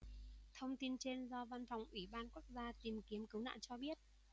thông tin trên do văn phòng ủy ban quốc gia tìm kiếm cứu nạn cho biết